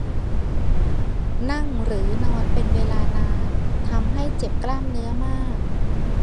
นั่งหรือนอนเป็นเวลานานทำให้เจ็บกล้ามเนื้อมาก